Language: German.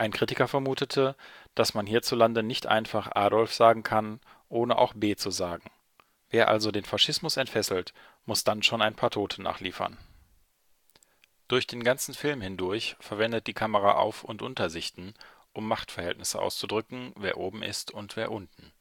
Kritiker vermutete, „ dass man hierzulande nicht einfach Adolf sagen kann, ohne auch B zu sagen. Wer also den Faschismus entfesselt, muss dann schon ein paar Tote nachliefern. “Durch den ganzen Film hindurch verwendet die Kamera Auf - und Untersichten, um Machtverhältnisse auszudrücken, wer „ oben “ist und wer „ unten